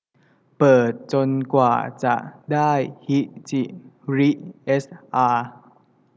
เปิดจนกว่าจะได้ฮิจิริเอสอา